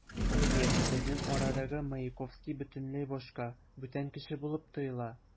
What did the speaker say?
Әйе, безнең арадагы Маяковский бөтенләй башка, бүтән кеше булып тоела.